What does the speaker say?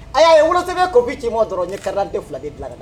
A y'a ye wolosɛbɛn copies ci n ma dɔrɔn ,n ye carte d'identité 2 de dilan ka na.